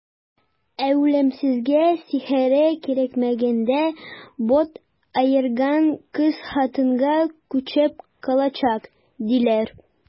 Ә үлемсезлеге, сихере кирәкмәгәндә бот аерган кыз-хатынга күчеп калачак, диләр.